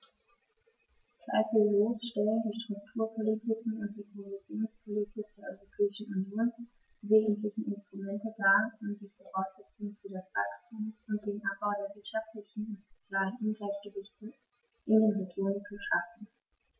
Zweifellos stellen die Strukturpolitiken und die Kohäsionspolitik der Europäischen Union die wesentlichen Instrumente dar, um die Voraussetzungen für das Wachstum und den Abbau der wirtschaftlichen und sozialen Ungleichgewichte in den Regionen zu schaffen.